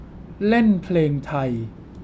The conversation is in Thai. เล่นเพลงไทย